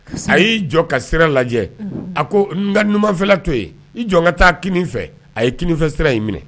A y'i jɔ ka sira lajɛ a ko n ka ɲumanfɛla to yen i jɔ ka taa fɛ a ye kfɛ sira in minɛ